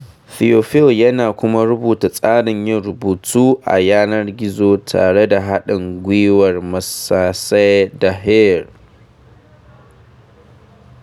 Théophile yana kuma rubuta tsarin yin rubutu a yanar gizo tare da haɗin gwiwar Manasseh Deheer.